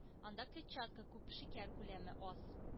Анда клетчатка күп, шикәр күләме аз.